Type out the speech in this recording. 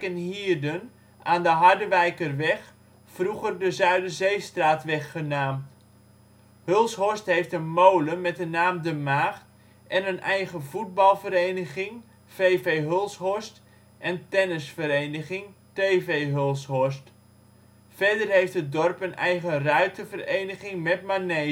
Hierden aan de Harderwijkerweg, vroeger de Zuiderzeestraatweg genaamd. Hulshorst heeft een molen met de naam De Maagd en een eigen voetbalvereniging (V.V. Hulshorst) en tennisvereniging (T.V. Hulhorst), verder heeft het dorp een eigen ruitervereniging met Manege